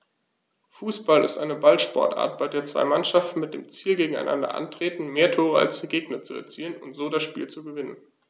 Fußball ist eine Ballsportart, bei der zwei Mannschaften mit dem Ziel gegeneinander antreten, mehr Tore als der Gegner zu erzielen und so das Spiel zu gewinnen.